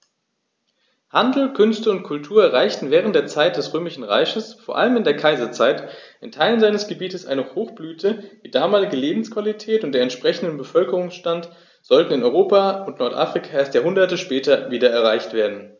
Handel, Künste und Kultur erreichten während der Zeit des Römischen Reiches, vor allem in der Kaiserzeit, in Teilen seines Gebietes eine Hochblüte, die damalige Lebensqualität und der entsprechende Bevölkerungsstand sollten in Europa und Nordafrika erst Jahrhunderte später wieder erreicht werden.